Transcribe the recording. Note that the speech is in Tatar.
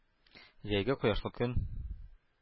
Җәйге кояшлы көн.